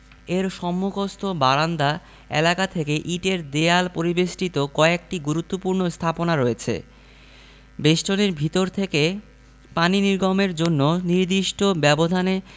এর সম্মুখস্থ বারান্দা এলাকা থেকে ইটের দেয়াল পরিবেষ্টিত কয়েকটি গুরুত্বপূর্ণ স্থাপনা রয়েছে বেষ্টনীর ভিতর থেকে পানি নির্গমের জন্য নির্দিষ্ট ব্যবধানে